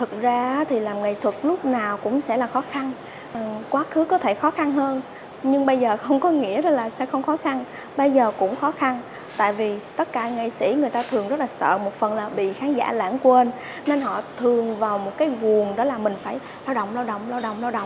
thực ra á thì làm nghệ thuật lúc nào cũng sẽ là khó khăn quá khứ có thể khó khăn hơn nhưng bây giờ không có nghĩa là sẽ không khó khăn bây giờ cũng khó khăn tại vì tất cả nghệ sĩ người ta thường rất là sợ một phần là bị khán giả lãng quên nên họ thường vào một cái guồng đó là mình phải lao động lao động lao động lao động